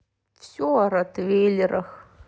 все о ротвейлерах